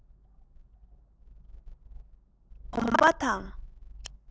ཁྱོད ཀྱི གོམ པ དང